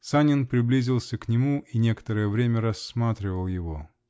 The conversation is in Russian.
Санин приблизился к нему и некоторое время рассматривал его.